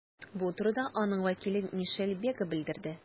Бу турыда аның вәкиле Мишель Бега белдерде.